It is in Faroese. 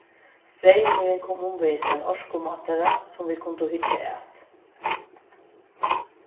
streymurin kom umvegis ein orkumátara sum vit kundu hyggja at